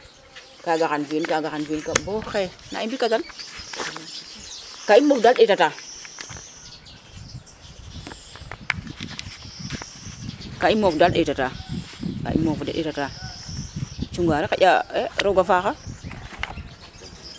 kaga xam fi in kaga xam fi in bo xay nda i mbi kaga ka i moof dal ndeta ta ka i moof del ndeta ta ga i moof de cunga rek xaƴa roga faxa